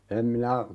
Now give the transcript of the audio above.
en minä